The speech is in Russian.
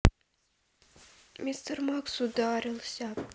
мистер макс ударился